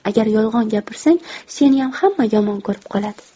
agar yolg'on gapirsang seniyam hamma yomon ko'rib qoladi